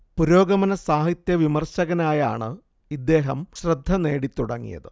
പുരോഗമന സാഹിത്യവിമർശകനായാണ് ഇദ്ദേഹം ശ്രദ്ധ നേടിത്തുടങ്ങിയത്